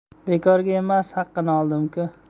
bekorga emas haqqini oldim ku